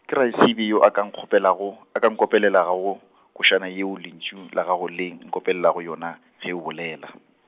ke Raesibe yo a ka nkgopelago, a ka nkopelelago go, košana yeo lentšu la gago le nkopelelago yona, ge o bolela.